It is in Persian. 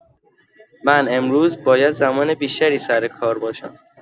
من امروز باید زمان بیشتری سر کار باشم.